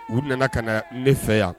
U nana ka na ne fɛ yan